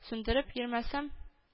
Сүндереп йөрмәсәм